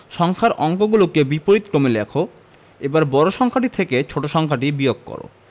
সংখ্যার অঙ্কগুলোকে বিপরীতক্রমে লিখ এবার বড় সংখ্যাটি থেকে ছোট সংখ্যাটি বিয়োগ কর